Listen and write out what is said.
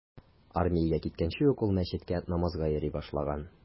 Армиягә киткәнче ук ул мәчеткә намазга йөри башлаган.